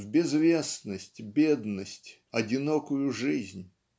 в безвестность, бедность, одинокую жизнь.